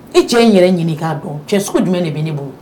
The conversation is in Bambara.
E cɛ in yɛrɛ ɲini k'a dɔn cɛ sugu jumɛn de bɛ ne bolo